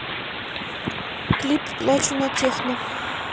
клип плачу на техно